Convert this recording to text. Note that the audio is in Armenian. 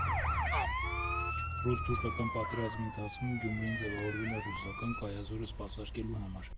Ռուս֊թուրքական պատերազմի ընթացքում Գյումրին ձևավորվել էր ռուսական կայազորը սպասարկելու համար։